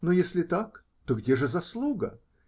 Но если так, то где же заслуга?